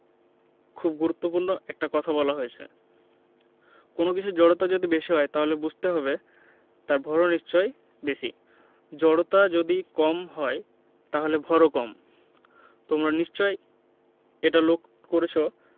খুব গুরুত্বপূর্ণ একটা কথা বলা হয়েছে কোনো কিছুর জড়তা যদি বেশি হয় তাহলে বুঝতে হবে তার ভরও নিশ্চয়ই বেশি জড়তা যদি কম হয় তাহলে ভরও কম তোমরা নিশ্চয়ই এটা লক্ষ করেছ